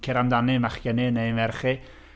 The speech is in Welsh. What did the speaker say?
Cer amdani, machgen i neu merch i.